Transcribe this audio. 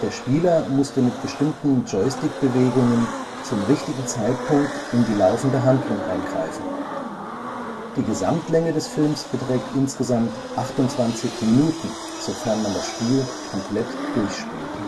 Spieler musste mit bestimmten Joystickbewegungen zum richtigen Zeitpunkt in die laufende Handlung eingreifen. Die Gesamtlänge des Filmes beträgt insgesamt 28 Minuten, sofern man das Spiel komplett durchspielt